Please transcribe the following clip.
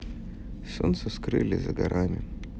солнце скрыли за горами